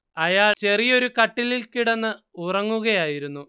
അയാൾ ചെറിയൊരു കട്ടിലിൽ കിടന്നു ഉറങ്ങുകയായിരുന്നു